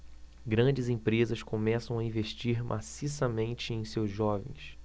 grandes empresas começam a investir maciçamente em seus jovens